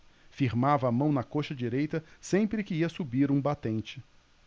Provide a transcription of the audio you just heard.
firmava a mão na coxa direita sempre que ia subir um batente